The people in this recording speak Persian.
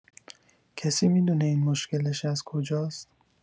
کسی می‌دونه این مشکلش از کجاست؟